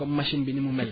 comme machine bi ni mu mel